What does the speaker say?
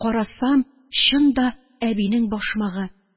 Карасам, чын да әбинең башмагы.